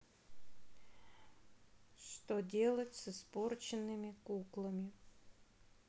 что делать с испорченными куклами